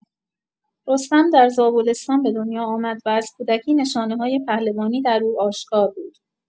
رستم در زابلستان به دنیا آمد و از کودکی نشانه‌های پهلوانی در او آشکار بود.